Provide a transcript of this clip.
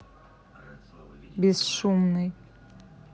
безшумный